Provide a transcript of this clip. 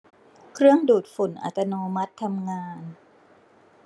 เครื่องดูดฝุ่นอัตโนมัติทำงาน